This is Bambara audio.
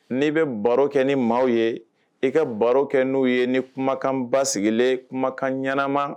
N'i bɛ baro kɛ ni maa ye i ka baro kɛ n'u ye ni kumakan ba sigilen kumakan ɲma